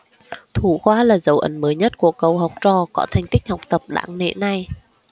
thủ khoa là dấu ấn mới nhất của cậu học trò có thành tích học tập đáng nể này